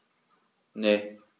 Ne.